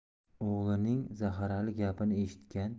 o'g'lining zaharli gapini eshitgan